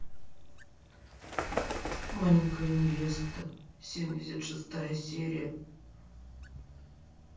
маленькая невеста семьдесят шестая серия